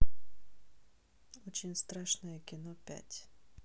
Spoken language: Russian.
очень страшное кино пять